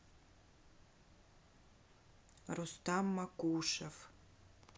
рустам макушев